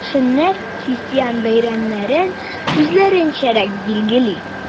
Керәшеннәр христиан бәйрәмнәрен үзләренчәрәк билгели.